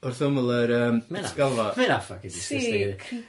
wrth ymyl yr yym . Ma' hynna ffycin disgusting ydi?